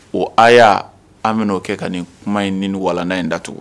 O haya an bɛn'o kɛ ka nin kuma in ni nin walanda in datugu